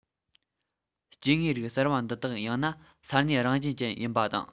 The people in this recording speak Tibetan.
སྐྱེ དངོས རིགས གསར པ འདི དག ཡང ན ས གནས རང བཞིན ཅན ཡིན པ དང